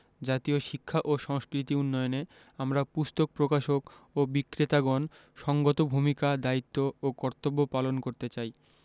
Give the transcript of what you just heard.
জাতীয় শিক্ষা ও সংস্কৃতি উন্নয়নে আমরা পুস্তক প্রকাশক ও বিক্রেতাগণ সঙ্গত ভূমিকা দায়িত্ব ও কর্তব্য পালন করতে চাই